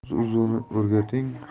o'z o'zini o'rgating